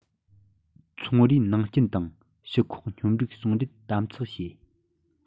ཚོང རའི ནང རྐྱེན དང སྤྱི ཁོག སྙོམས སྒྲིག ཟུང འབྲེལ དམ ཚགས བྱས